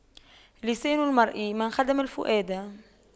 لسان المرء من خدم الفؤاد